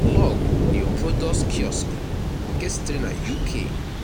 Blọọgụ NeoProducts Kiosks, nke sitere na UK,